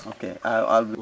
ok